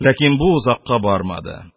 Ләкин бу озакка бармады